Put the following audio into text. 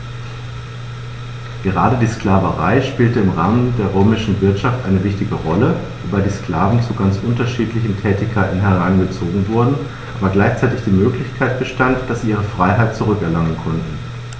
Gerade die Sklaverei spielte im Rahmen der römischen Wirtschaft eine wichtige Rolle, wobei die Sklaven zu ganz unterschiedlichen Tätigkeiten herangezogen wurden, aber gleichzeitig die Möglichkeit bestand, dass sie ihre Freiheit zurück erlangen konnten.